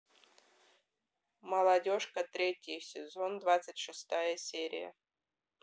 молодежка третий сезон двадцать шестая серия